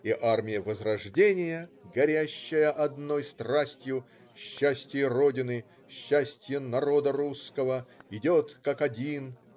И армия возрождения, горящая одной страстью: счастье родины, счастье народа русского - идет как один.